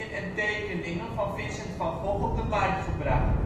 en tekeningen van Vincent van Gogh op de markt gebracht